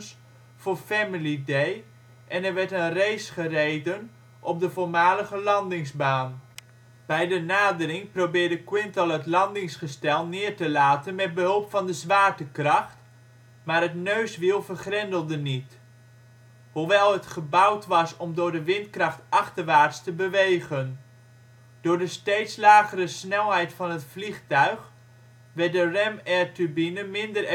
Day ", en er werd een race gereden op de voormalige landingsbaan. Bij de nadering probeerde Quintal het landingsgestel neer te laten met behulp van de zwaartekracht, maar het neuswiel vergrendelde niet, hoewel het gebouwd was om door de windkracht achterwaarts te bewegen. Door de steeds lagere snelheid van het vliegtuig werd de ram air turbine minder efficiënt